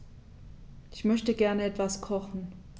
Ich möchte gerne etwas kochen.